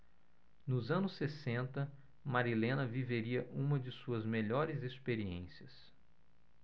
nos anos sessenta marilena viveria uma de suas melhores experiências